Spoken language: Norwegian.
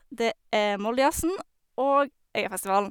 Det er Moldejazzen og Øyafestivalen.